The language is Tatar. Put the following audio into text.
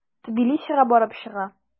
Тбилисига барып чыга.